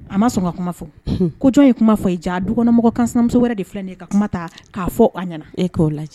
A ma sɔn ka kuma fɔ ko jɔn ye kuma fɔ i ja dukɔnɔmɔgɔ kan sinamuso wɛrɛ de filɛ ka kuma ta k'a fɔ a nana e k'o lajɛ